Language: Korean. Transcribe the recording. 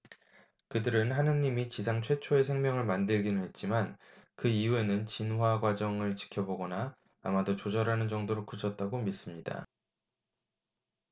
그들은 하느님이 지상 최초의 생명을 만들기는 했지만 그 이후에는 진화 과정을 지켜보거나 아마도 조절하는 정도로 그쳤다고 믿습니다